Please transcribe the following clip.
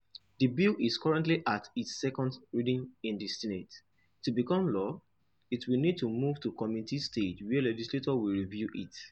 The bill is currently at its second reading in the Senate. To become law, it will need to move to committee stage where legislators will review it.